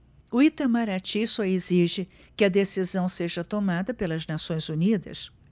o itamaraty só exige que a decisão seja tomada pelas nações unidas